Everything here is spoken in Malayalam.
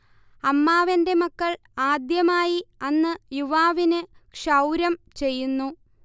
അമ്മാവന്റെ മക്കൾ ആദ്യമായി അന്ന് യുവാവിന് ക്ഷൗരം ചെയ്യുന്നു